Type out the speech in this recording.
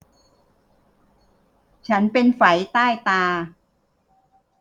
ฉันเป็นไฝใต้ตา